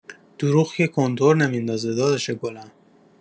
دروغ که کنتور نمی‌اندازه داداش گلم.